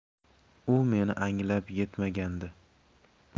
u meni anglab yetmagandi